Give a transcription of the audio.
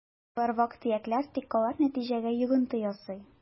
Болар вак-төякләр, тик алар нәтиҗәгә йогынты ясый: